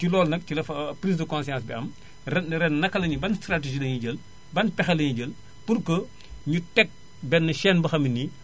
ci loolu nag ci la Fa prise de conscience bi am ren ren naka lañuy ban stratégie lañuy jël ban pexe lañuy jël pour que ñu teg bennn chaine boo xam ne nii